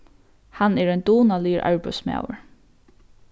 hann er ein dugnaligur arbeiðsmaður